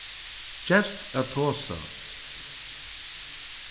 gevst at tosa